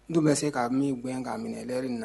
N' bɛ se k ka min bɔ k'a minɛ yɛrɛ de na